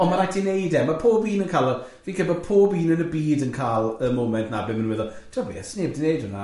Ond ma' raid ti wneud e, ma' pob un yn cael y, fi'n credu bod pob un yn y byd yn cael y moment yna ble ma' nhw'n meddwl, tibod be, a sneb di wneud hwnna.